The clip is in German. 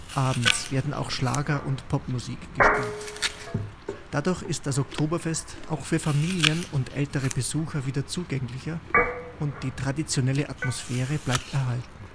abends werden auch Schlager und Popmusik gespielt. Dadurch ist das Oktoberfest auch für Familien und ältere Besucher wieder zugänglicher und die traditionelle Atmosphäre bleibt erhalten